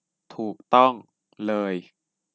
ถูกต้องเลย